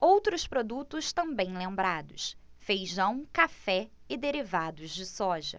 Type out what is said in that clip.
outros produtos também lembrados feijão café e derivados de soja